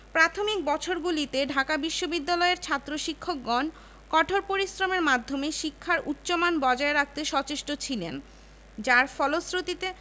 ঢাকা বিশ্ববিদ্যালয়ের অনেক শিক্ষকই বর্তমানে পৃথিবীর বিভিন্ন খ্যাতিসম্পন্ন বিশ্ববিদ্যালয় ও শিক্ষা প্রতিষ্ঠানে গুরুত্বপূর্ণ পদে বহাল আছেন